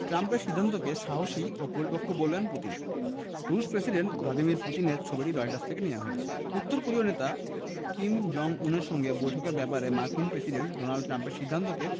ট্রাম্পের সিদ্ধান্তকে সাহসী ও পরিপক্ব বললেন পুতিন রুশ প্রেসিডেন্ট ভ্লাদিমির পুতিনের ছবিটি রয়টার্স থেকে নেয়া হয়েছে উত্তর কোরীয় নেতা কিম জং উনের সঙ্গে বৈঠকের ব্যাপারে মার্কিন প্রেসিডেন্ট ডোনাল্ড ট্রাম্পের সিদ্ধান্তকে